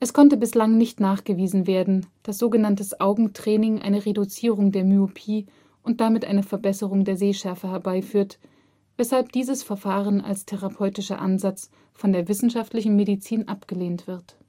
konnte bislang nicht nachgewiesen werden, dass so genanntes Augentraining eine Reduzierung der Myopie und damit eine Verbesserung der Sehschärfe herbeiführt, weshalb dieses Verfahren als therapeutischer Ansatz von der wissenschaftlichen Medizin abgelehnt wird